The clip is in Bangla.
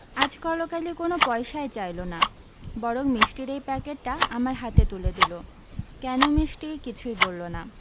আজ কলকালি কোনো পয়সাই চাইলো না বরং মিষ্টির এই প্যাকেটটা আমার হাতে তুলে দিল কেন মিষ্টি কিছুই বললো না